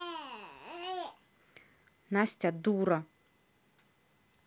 настя дура